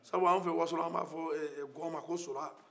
sabu an wasolo an bɛ a fɔ gɔn ma ko sola